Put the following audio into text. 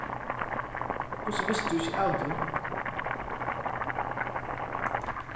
hvussu visti tú ikki av tí